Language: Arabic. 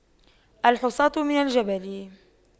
الحصاة من الجبل